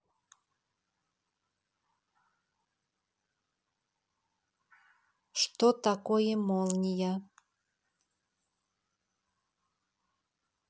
что такое молния